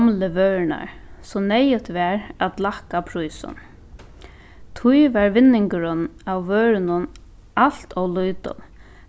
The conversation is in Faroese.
gomlu vørurnar so neyðugt var at lækka prísin tí var vinningurin av vørunum alt ov lítil